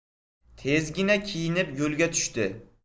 tezgina kiyinib yo'lga tushdi